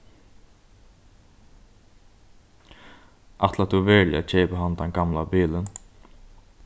ætlar tú veruliga at keypa handan gamla bilin